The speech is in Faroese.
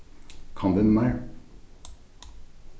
kom við mær